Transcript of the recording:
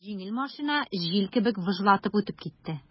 Җиңел машина җил кебек выжлап үтеп китте.